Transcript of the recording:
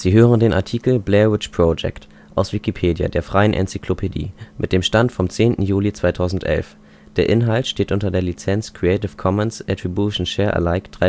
hören den Artikel Blair Witch Project, aus Wikipedia, der freien Enzyklopädie. Mit dem Stand vom Der Inhalt steht unter der Lizenz Creative Commons Attribution Share Alike